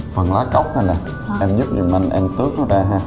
phần lá cóc này nè em giúp giùm anh em tước nó ra ha